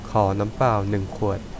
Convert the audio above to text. ขอน้ำเปล่าหนึ่งขวด